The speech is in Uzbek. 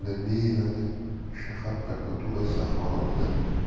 deyiladi shahar prokuraturasi axborotida